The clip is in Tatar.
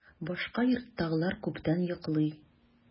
Башка йорттагылар күптән йоклый.